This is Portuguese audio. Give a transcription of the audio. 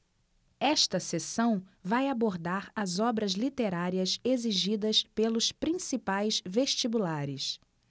esta seção vai abordar as obras literárias exigidas pelos principais vestibulares